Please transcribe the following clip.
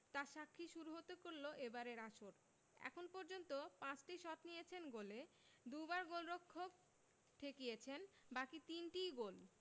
তার সাক্ষী শুরু হতে করল এবারের আসর এখন পর্যন্ত ৫টি শট নিয়েছেন গোলে দুবার গোলরক্ষক ঠেকিয়েছেন বাকি তিনটিই গোল